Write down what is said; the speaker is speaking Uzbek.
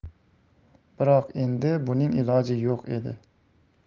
biroq endi buning iloji yo'q edi